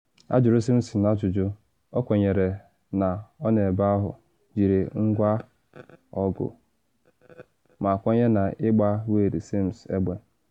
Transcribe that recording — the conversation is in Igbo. Ajụrụ Simpson ajụjụ, ọ kwenyere na ọ n’ebe ahụ, jiri ngwa ọgụ, ma kwenye na ịgba Wayde Sims egbe.